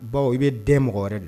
Baw i bɛ den mɔgɔ wɛrɛ la